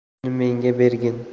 shuni menga bergin